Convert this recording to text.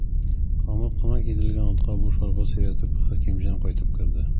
Камыт кына кидерелгән атка буш арба сөйрәтеп, Хәкимҗан кайтып керде.